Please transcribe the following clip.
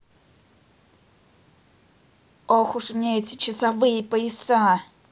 ох уж мне эти часовые пояса